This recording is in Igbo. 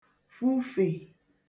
fufè